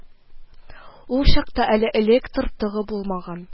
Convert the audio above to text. Ул чакта әле электр тогы булмаган